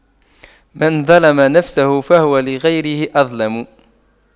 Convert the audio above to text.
من ظَلَمَ نفسه فهو لغيره أظلم